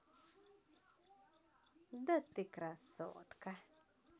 да ты красотка